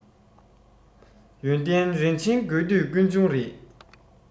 ཡོན ཏན རིན ཆེན དགོས འདོད ཀུན འབྱུང རེད